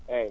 eeyi